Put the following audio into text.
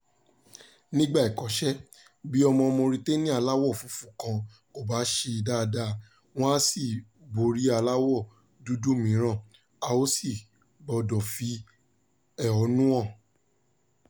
Nígbà ìkọ́ṣẹ́, bí ọmọ Mauritania aláwọ̀ funfun kan kò bá ṣe dáadáa, wọn á ṣì borí aláwọ̀ dúdú mìíràn. A ò sì gbọdọ̀ fi ẹhónú hàn…